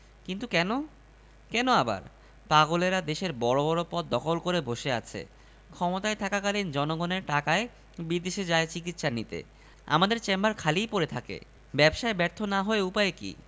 আচ্ছা কখন থেকে এমনটা হচ্ছে বলুন তো সকাল থেকে রাতে কি কিছু হয়েছিল না কিছুই হয়নি ভালো করে ভেবে দেখুন কোনো স্বপ্ন টপ্ন